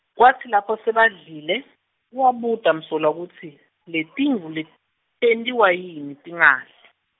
kwatsi lapho sebadlile, wabuta Msolwa kutsi, letimvu letentiwa yini tingadli.